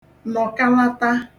nọ̀kalata